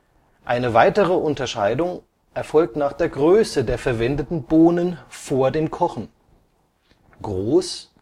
Eine weitere Unterscheidung erfolgt nach der Größe der verwendeten Bohnen (vor dem Kochen): groß